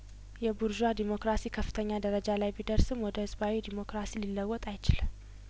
የቡርዧ ዴሞክራሲ ከፍተኛ ደረጃ ላይ ቢደርስም ወደ ህዝባዊ ዴሞክራሲ ሊለወጥ አይችልም